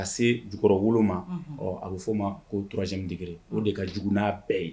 A se jukɔrɔ wolo ma a bɛ f'o ma ko torajɛ d o de ka j' bɛɛ ye